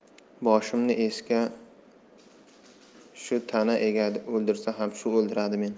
boshimni egsa shu ta'na egadi o'ldirsa ham shu o'ldiradi meni